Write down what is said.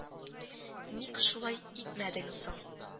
— ник шулай итмәдең соң